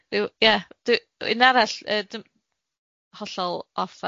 Mae o'n ryw, ia, dwi- un arall yy dw- hollol off